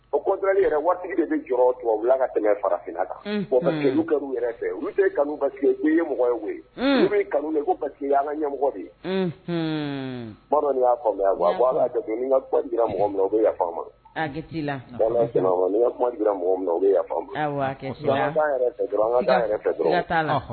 Oj yɛrɛ waati de bɛ jɔ tu ka tɛmɛ farafin kan yɛrɛ kanu ye mɔgɔ ye ko an ka ɲɛmɔgɔ bamanana faamuya mɔgɔ bɛ